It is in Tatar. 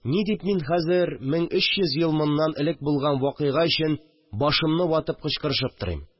Ни дип мин хәзер 1300 ел моннан элек булган вакыйга өчен башымны ватып кычкырышып торыйм